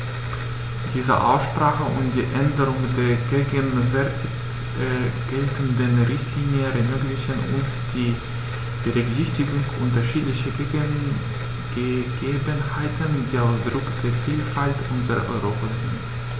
Diese Aussprache und die Änderung der gegenwärtig geltenden Richtlinie ermöglichen uns die Berücksichtigung unterschiedlicher Gegebenheiten, die Ausdruck der Vielfalt unseres Europas sind.